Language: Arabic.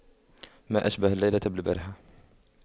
ما أشبه الليلة بالبارحة